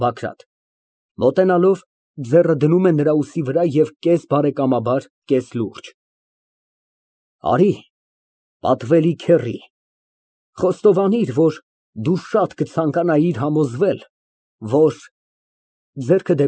ԲԱԳՐԱՏ ֊ (Մոտենալով, ձեռը դնում է նրա ուսի վրա և կես բարեկամաբար, կես լուրջ) Արի պատվելի քեռի, խոստովանիր, որ դու շատ կցանկանայիր համոզվել, որ (Ձեռքը։